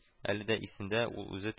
Әле дә исендә